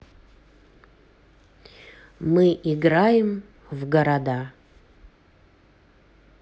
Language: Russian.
мы играем в города